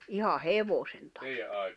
ihan hevosen tappoi